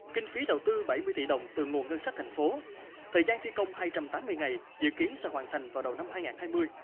kinh phí đầu tư bảy mươi tỷ đồng từ nguồn ngân sách thành phố thời gian thi công hai trăm tám mươi ngày dự kiến sẽ hoàn thành vào đầu năm hai ngàn hai mươi